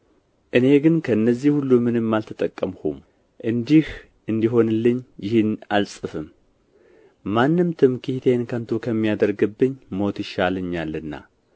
እኔ ግን ከእነዚህ ሁሉ ምንም አልተጠቀምሁም እንዲህ እንዲሆንልኝ ይህን አልጽፍም ማንም ትምክህቴን ከንቱ ከሚያደርግብኝ ሞት ይሻለኛልና